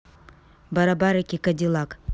барбарики кадилак